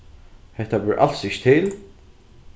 hetta ber als ikki til